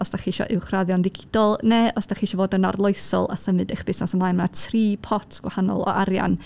os dych chi isio uwchraddio'n ddigidol, neu os dych chi isio fod yn arloesol a symud eich busnes ymlaen, mae tri pot gwahanol o arian.